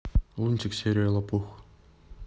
лунтик серия лопух